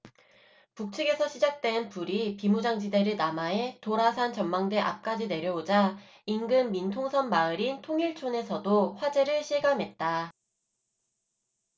북측에서 시작된 불이 비무장지대를 남하해 도라산전망대 앞까지 내려오자 인근 민통선마을인 통일촌에서도 화재를 실감했다